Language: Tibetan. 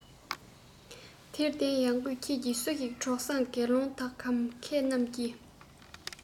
དེར བརྟེན ཡང གོས ཁྱེད ཀྱི སུ ཞིག གྲོགས བཟང དགེ སློང དག གམ མཁས རྣམས ཀྱིས